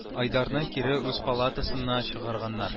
Айдарны кире үз палатасына чыгарганнар